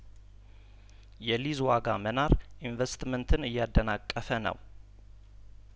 የሊዝ ዋጋ መናር ኢንቨስትመንትን እያደናቀፈ ነው